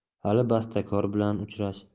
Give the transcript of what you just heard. hali bastakor bilan uchrash